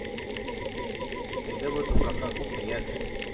Сеңде бу туфракка күпме яшь,